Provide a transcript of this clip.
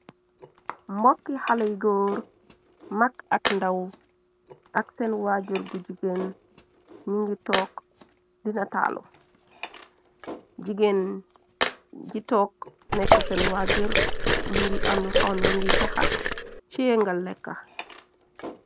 Mbokki xalay góor mag ak ndaw ak sen waajur gu jigéen ñi ngi tokk di nataalu jigéen ji tokk nekk sen waajur mu ngi ami xom yi ngi taxa ciengal lekka.